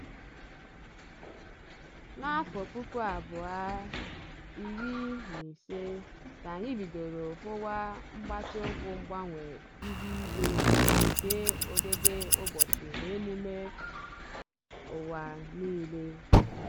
N'afọ 2015 ka anyị bidoro hụwa mgbatị ụkwụ mgbanwe ihuigwe n'oke ụdịdịụbọchị n'emume ụwa niile.